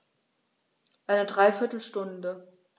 Eine dreiviertel Stunde